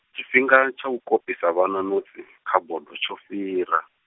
tshifhinga tsha u kopisa vhana notsi, kha bodo tsho fhira.